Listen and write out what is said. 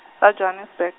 ra Johannesburg.